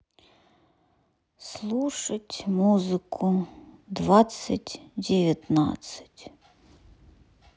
слушать музыку двадцать девятнадцать